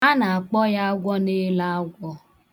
A na-akpọ ya agwọ na-elo agwọ.